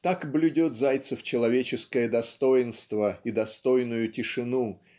Так блюдет Зайцев человеческое достоинство и достойную тишину